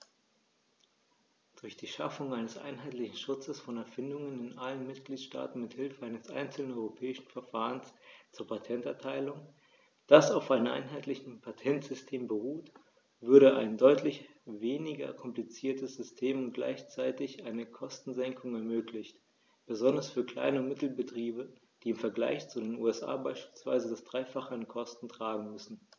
Durch die Schaffung eines einheitlichen Schutzes von Erfindungen in allen Mitgliedstaaten mit Hilfe eines einzelnen europäischen Verfahrens zur Patenterteilung, das auf einem einheitlichen Patentsystem beruht, würde ein deutlich weniger kompliziertes System und gleichzeitig eine Kostensenkung ermöglicht, besonders für Klein- und Mittelbetriebe, die im Vergleich zu den USA beispielsweise das dreifache an Kosten tragen müssen.